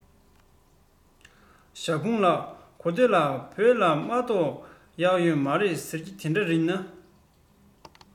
ཞའོ ཧྥུང ལགས གོ ཐོས ལ བོད ལ མ གཏོགས གཡག ཡོད མ རེད ཟེར གྱིས དེ འདྲ ཡིན ན